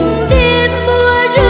đêm